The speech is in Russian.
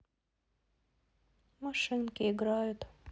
машинки играют